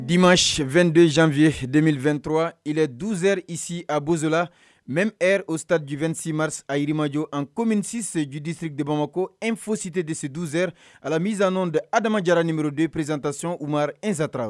'masi2den jany2yed02t ire zeissi a bozola m otaj2simaris a yiriirimajɔ an ko minisisijdisi deba ma ko e fɔsite de se ze a la mizo de ha adamajara niurruden ppriztation u ma nsatara